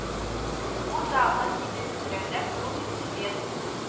Бу тагын минем тирәдә крутится-вертится